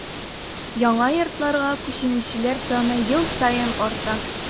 Яңа йортларга күченүчеләр саны ел саен арта.